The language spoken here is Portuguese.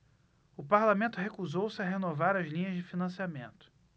o parlamento recusou-se a renovar as linhas de financiamento